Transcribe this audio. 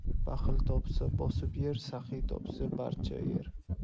baxil topsa bosib yer saxiy topsa barcha yer